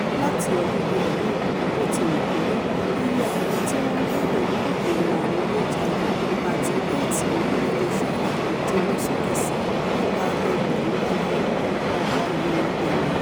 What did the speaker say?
Láti ọdún-dé-ọdún, botiwukori, iye àwọn tíwọn ńgbé pẹ̀lú kòkòrò ààrùn HIV àti Aids lorílẹ̀-èdè Ṣáínà ti lọ sókè síi nípa ẹgbẹ̀rún lọ́nà ọgọ́ọ̀rún ènìyàn.